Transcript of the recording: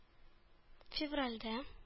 Февральдә